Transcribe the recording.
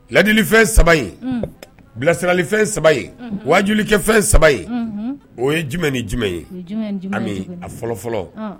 Ladilifɛn 3 in unhun bilasiralifɛn 3 in wajulikɛfɛn 3 in uunhun o ye jumɛn ni jumɛn ye o ye jumɛn ni jumɛn ye tuguni Amii a fɔlɔ fɔlɔ ɔnh